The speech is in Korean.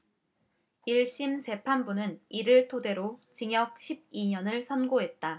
일 심 재판부는 이를 토대로 징역 십 이 년을 선고했다